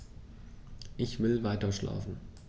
Ich will weiterschlafen.